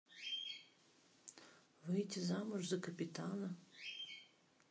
выйти замуж за капитана